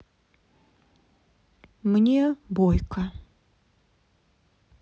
мне бойко